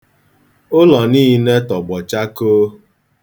Ụlọ niile tọgbọ chakoo.